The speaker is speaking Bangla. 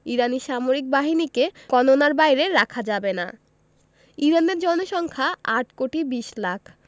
ইরানি সামরিক বাহিনীকে গণনার বাইরে রাখা যাবে না ইরানের জনসংখ্যা ৮ কোটি ২০ লাখ